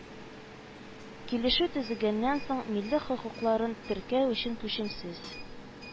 Килешү төзегәннән соң, милек хокукларын теркәү өчен күчемсез